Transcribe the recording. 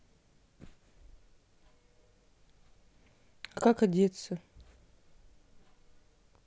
а как одеться